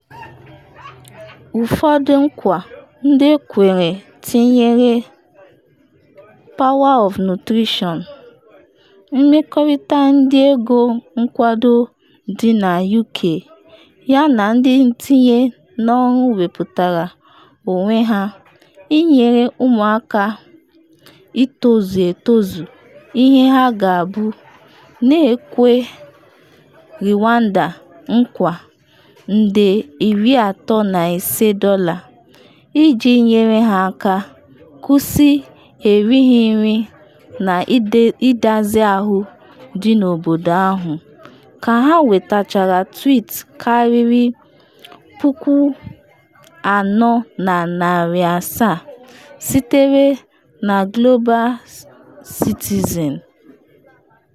Ụfọdụ nkwa ndị ekwere tinyere Power of Nutrition, mmekọrịta ndị ego nkwado dị na U.K yana ndị ntinye n’ọrụ wepụtara onwe ha “inyere ụmụaka aka itozu etozu ihe ha ga-abụ,” na-ekwe Rwanda nkwa nde $35 iji nyere ha aka kwụsị erighị nri na-edozi ahụ dị n’obodo ahụ ka ha nwetachara tweet karịrị 4,700 sitere na Global Citizen.